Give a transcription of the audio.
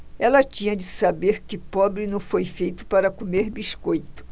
ela tinha de saber que pobre não foi feito para comer biscoito